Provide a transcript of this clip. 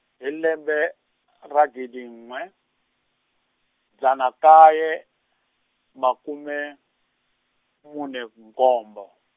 hi lembe ra gidi n'we, dzana nkaye makume, mune nkombo.